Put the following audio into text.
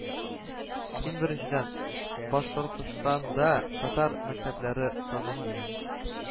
Иң беренчедән Башкортстанда татар мәктәпләре саны кими